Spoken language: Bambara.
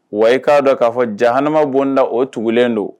Wa i ka dɔn ka fɔ jahanama bonda o tugulen don.